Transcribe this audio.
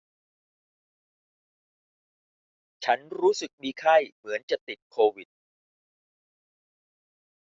ฉันรู้สึกมีไข้เหมือนจะติดโควิด